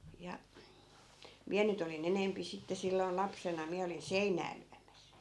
ja minä nyt olin enempi sitten silloin lapsena minä olin seinää lyömässä